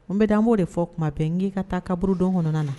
N bɛ dambo de fɔ tuma bɛ n'i ka taa kaburu dɔn kɔnɔna na